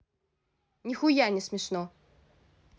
нихуя не смешно